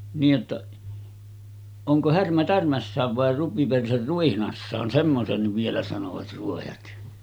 niin jotta onko Härmä tärmässään vai rupiperse ruihnassaan semmoisenkin vielä sanoivat ruojat